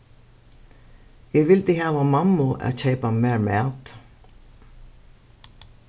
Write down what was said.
eg vildi hava mammu at keypa mær mat